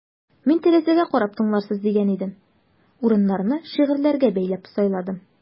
Мин тәрәзәгә карап тыңларсыз дигән идем: урыннарны шигырьләргә бәйләп сайладым.